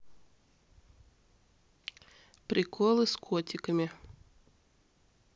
приколы с котиками